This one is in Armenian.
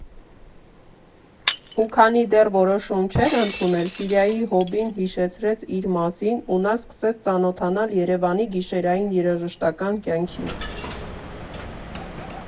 Ու քանի դեռ որոշում չէր ընդունել, Սիրիայի հոբբին հիշեցրեց իր մասին ու նա սկսեց ծանոթանալ Երևանի գիշերային երաժշտական կյանքին։